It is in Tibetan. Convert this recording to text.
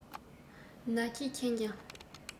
ན གྱིས མཁྱེན ཀྱང